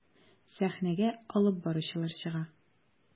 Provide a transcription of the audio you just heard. Сәхнәгә алып баручылар чыга.